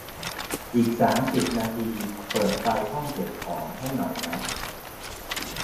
อีกสามสิบนาทีเปิดไฟห้องเก็บของให้หน่อยนะ